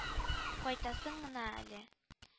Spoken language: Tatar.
Кайтасын гына әле